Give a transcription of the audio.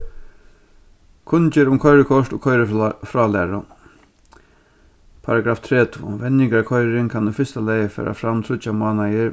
kunngerð um koyrikort og koyri frálæru paragraf tretivu venjingarkoyring kann í fyrsta lagi fara fram tríggjar mánaðir